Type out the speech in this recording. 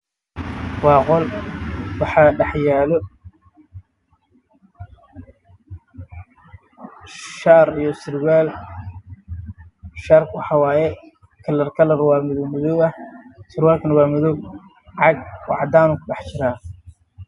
Waa boonbale midabkiisu yahay caddaan